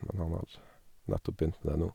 Men han har nettopp begynt med det nå.